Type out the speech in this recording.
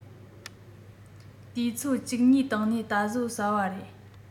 དུས ཚོད གཅིག གཉིས སྟེང ནས ད གཟོད ཟ བ རེད